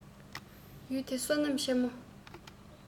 ཡུལ འདི བསོད ནམས ཆེན མོ